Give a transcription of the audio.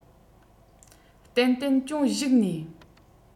ཏན ཏན ཅུང གཞིགས ནས